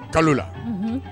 Kalo la, unhun